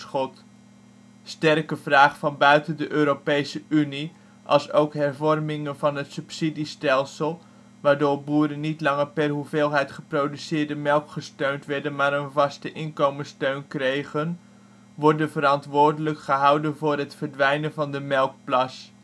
Sterke vraag van buiten de Europese Unie, als ook hervormingen van het subsidiestelsel, waardoor boeren niet langer per hoeveelheid geproduceerde melk gesteund werden maar een vaste inkomstensteun kregen, worden verantwoordelijk gehouden voor het verdwijnen van de melkplas